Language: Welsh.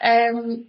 yym